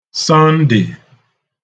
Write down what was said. Sọndè